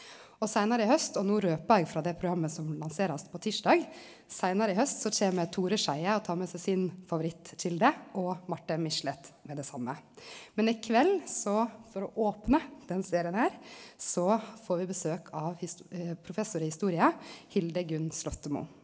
og seinare i haust og no røper eg frå det programmet som lanserast på tysdag seinare i haust så kjem Tore Skeie og tar med seg sin favorittkjelde og Marthe Michelet med det same, men i kveld så for å opne den serien her så får vi besøk av professor i historie Hilde Gunn Slottemo.